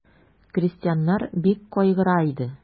Крестьяннар бик кайгыра иде.